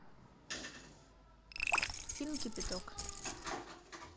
фильм кипяток